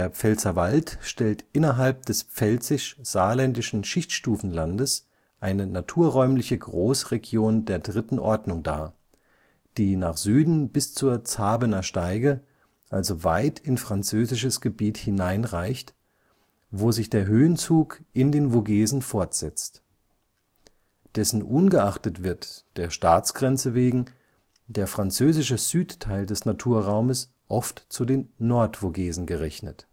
Pfälzerwald stellt innerhalb des Pfälzisch-Saarländischen Schichtstufenlandes (Großregion 2. Ordnung) eine naturräumliche Großregion 3. Ordnung dar, die nach Süden bis zur Zaberner Steige, also weit in französisches Gebiet hinein, reicht, wo sich der Höhenzug in den Vogesen fortsetzt. Dessen ungeachtet wird, der Staatsgrenze wegen, der französische Südteil des Naturraumes oft zu den Nordvogesen gerechnet